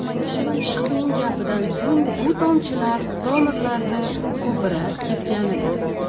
shilimshiqning gapidan so'ng bu tomchilar tomirlarda ko'pira ketgan edi